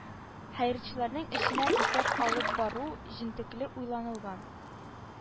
Хәерчеләрнең эшенә исәп алып бару җентекле уйланылган